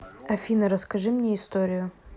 афина расскажи мне историю